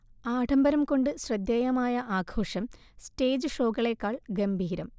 ആഢംബരംകൊണ്ടു ശ്രദ്ധേയമായ ആഘോഷം സ്റ്റേജ് ഷോകളേക്കാൾ ഗംഭീരം